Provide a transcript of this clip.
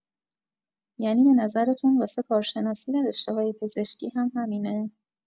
ینی به نظرتون واسه کارشناسی و رشته‌های پزشکی هم همینه؟